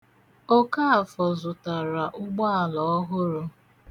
Okaafọ zụtara ụgbaala ọhụrụ.